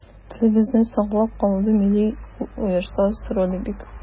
Телебезне саклап калуда милли оешмаларның роле бик зур.